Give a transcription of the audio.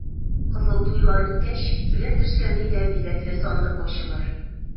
Кызыл туйлар үткәч, килен төшкән өйдә бизәкле сандык ачылыр.